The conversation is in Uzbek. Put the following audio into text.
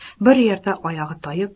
bir yerda oyog'i toyib